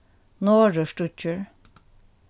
norðurstíggjur